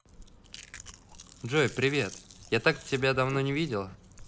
джой привет я так тебя давно не видела